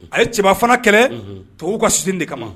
Ale ye cɛba fana kɛlɛ tubabu ka sin de kama